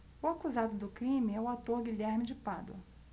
o acusado do crime é o ator guilherme de pádua